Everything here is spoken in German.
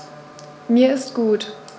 Mir ist gut.